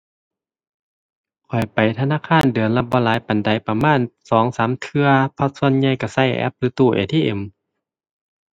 ข้อยไปธนาคารเดือนละบ่หลายปานใด ประมาณสองสามเทื่อ เพราะส่วนใหญ่ก็ก็แอปหรือตู้ ATM